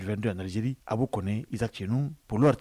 Don nanze a bɛc p